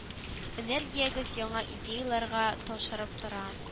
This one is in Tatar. Энергиягез яңа идеяләрарга ташырып тора